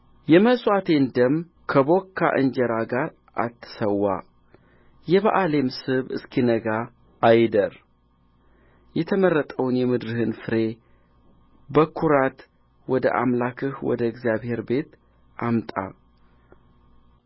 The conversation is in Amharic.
የመሥዋዕቴን ደም ከቦካ እንጀራ ጋር አትሠዋ የበዓሌም ስብ እስኪነጋ አይደር የተመረጠውን የምድርህን ፍሬ በኵራት ወደ አምላክህ ወደ እግዚአብሔር ቤት አምጣ